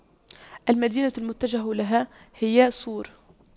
المدينة المتجه لها هي صور